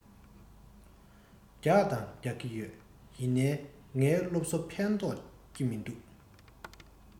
རྒྱག དང རྒྱག གི ཡོད ཡིན ནའི ངའི སློབ གསོས ཕན ཐོགས ཀྱི མི འདུག